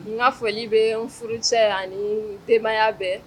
N folili bɛ furusɛ ani tebayaya bɛɛ